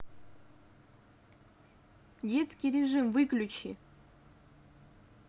детский режим выключи